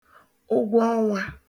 ụgwọ ọnwā